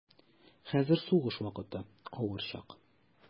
Хәзер сугыш вакыты, авыр чак.